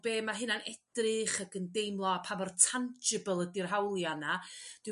be mae hynna'n edrych ac yn deimlo a pa mor tangible ydi'r hawlia' yna dwi'n